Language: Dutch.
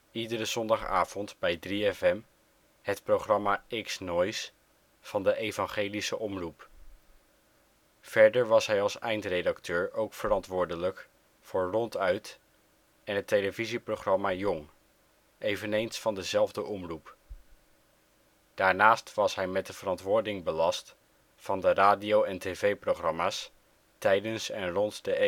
iedere zondagavond bij 3FM het programma X-Noizz van de Evangelische Omroep. Verder was hij als eindredacteur ook verantwoordelijk voor Ronduit en het televisiepogramma Jong, eveneens van dezelfde omroep. Daarnaast was hij met de verantwoording belast van de radio - en tv-programma 's tijdens en rond de